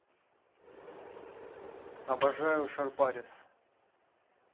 обожаю шорпарис